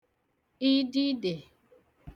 ididè